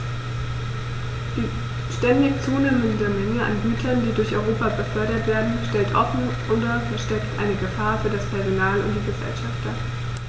Die ständig zunehmende Menge an Gütern, die durch Europa befördert werden, stellt offen oder versteckt eine Gefahr für das Personal und die Gesellschaft dar.